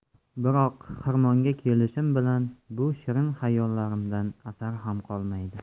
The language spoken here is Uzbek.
biroq xirmonga kelishim bilan bu shirin xayollarimdan asar ham qolmaydi